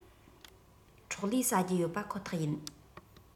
ཁྲོག ལེ ཟ རྒྱུ ཡོད པ ཁོ ཐག ཡིན